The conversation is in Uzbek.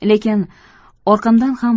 lekin orqamdan ham